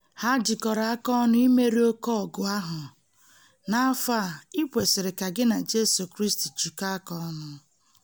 Ha jikọrọ aka ọnụ imeri oke ọgụ ahụ... n'afọ a i kwesịrị ka gị na Jesu Kristi jikọọ aka ọnụ